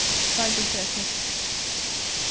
tveir dunkar av kettjup